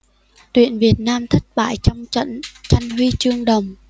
tuyển việt nam thất bại trong trận tranh huy chương đồng